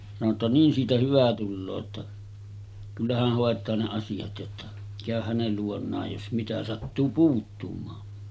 sanoi jotta niin siitä hyvä tulee jotta kyllä hän hoitaa ne asiat jotta käy hänen luonaan jos mitä sattuu puuttumaan